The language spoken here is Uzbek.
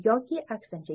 yoki aksincha